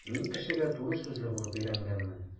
Мин кешегә туры сүзле булып өйрәнгәнмен.